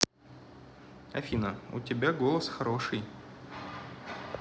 афина у тебя голос хороший